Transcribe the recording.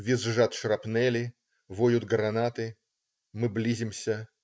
Визжат шрапнели, воют гранаты. Мы близимся.